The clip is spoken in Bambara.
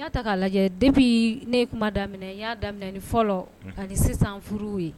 N'a ta k'a lajɛ debi ne kuma daminɛ n y'a daminɛ ni fɔlɔ ka nin sisan furu ye